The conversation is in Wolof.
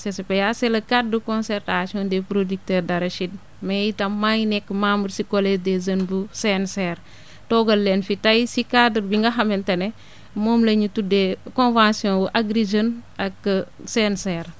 CCPA c' est le cadre de concertation des producteurs d' arachide mais itam maa ngi nekk membre si collège des jeunes bu CNCR toogal leen fi tey si cadre bi nga xamante ne moom la ñu tuddee convention wu Agri Jeunes ak CNCR